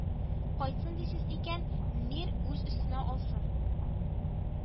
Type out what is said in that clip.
Кайтсын дисез икән, мир үз өстенә алсын